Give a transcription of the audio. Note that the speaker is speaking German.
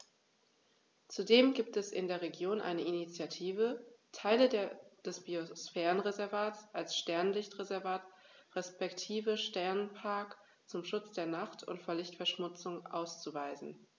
Zudem gibt es in der Region eine Initiative, Teile des Biosphärenreservats als Sternenlicht-Reservat respektive Sternenpark zum Schutz der Nacht und vor Lichtverschmutzung auszuweisen.